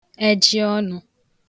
ejịọnụ̄